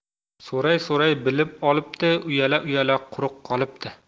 so'ray so'ray bilib olibdi uyala uyala quruq qolibdi